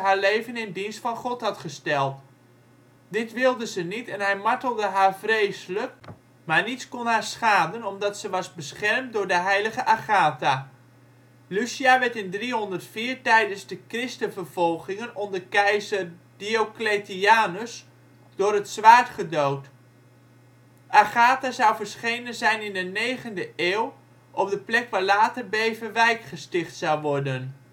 leven in dienst van God had gesteld). Dit wilde ze niet en hij martelde haar vreselijk maar niets kon haar schaden omdat ze was beschermd door de heilige Agatha. Lucia werd in 304 tijdens de christenvervolgingen onder keizer Diocletianus door het zwaard gedood. Icoon van de heilige Agatha met haar borsten op een schaal. Agatha zou verschenen zijn in de 9e eeuw op de plek waar later Beverwijk gesticht zou worden